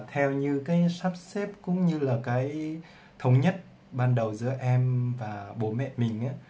theo như thống nhất ban đầu giữa em mình và gia đình